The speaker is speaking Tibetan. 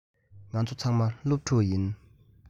ང ཚོ ཚང མ སློབ ཕྲུག ཡིན